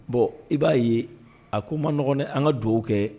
Bɔn i b'a ye a ko maɔgɔn an ka dugawu kɛ